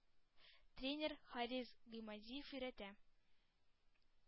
Тренер харис гыймадиев өйрәтә.